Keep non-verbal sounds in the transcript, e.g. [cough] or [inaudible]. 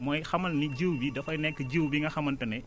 mooy xamal ni jiw gi dafay nekk [noise] jiw bi nga xamante ne